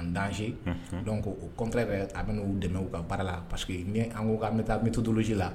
An danse dɔn ko o kɔnte ka a bɛ n'u dɛmɛ ka baara la parce que an ko ka bɛ taa misitulusi la